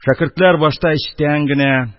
Шәкертләр башта эчтән генә,